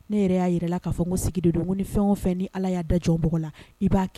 Ne yɛrɛ y'a jira la k'a fɔ sigi don ni fɛn fɛn ni ala y' da jɔ b la i ba kɛ